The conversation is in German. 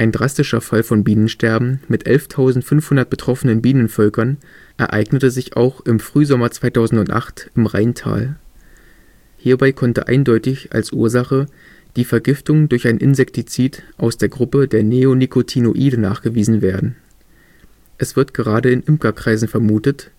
drastischer Fall von Bienensterben mit 11.500 betroffenen Bienenvölkern ereignete sich auch im Frühsommer 2008 im Rheintal. Hierbei konnte eindeutig als Ursache die Vergiftung durch ein Insektizid aus der Gruppe der Neonicotinoide nachgewiesen werden. Es wird gerade in Imkerkreisen vermutet